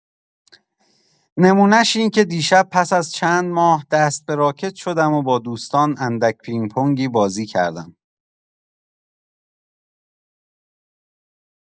نمونش اینکه دیشب پس از چندماه، دست به راکت شدم و با دوستان اندک پینگ‌پنگ بازی کردم.